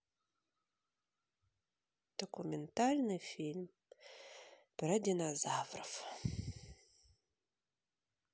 документальный фильм про динозавров